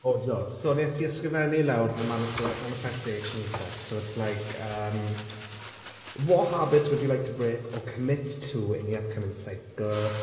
O diolch. So wnes i ysgrifennu lawr fy manisty- manifestation stuff. So it's like yym "What habits would you like to break or commit to in the upcoming cycle"?